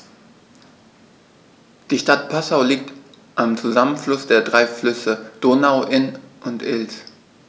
Die Stadt Passau liegt am Zusammenfluss der drei Flüsse Donau, Inn und Ilz.